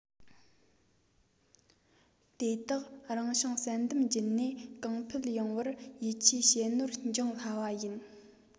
དེ དག རང བྱུང བསལ འདེམས བརྒྱུད ནས གོང འཕེལ འོངས པར ཡིད ཆེས བྱེད ནོར འབྱུང སླ བ ཡིན